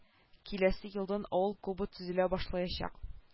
Киләсе елдан авыл клубы төзелә башлаячак